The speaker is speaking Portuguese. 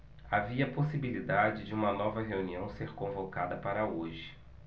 havia possibilidade de uma nova reunião ser convocada para hoje